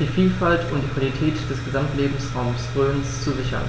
die Vielfalt und die Qualität des Gesamtlebensraumes Rhön zu sichern.